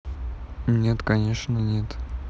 нет конечно нет